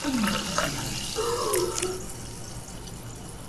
Dwi'n nabot ti, Elin.